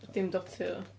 Dim Dotty oedd o.